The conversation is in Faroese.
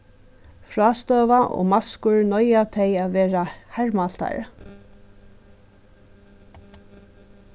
frástøða og maskur noyða tey at verða harðmæltari